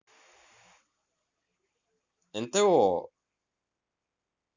ntò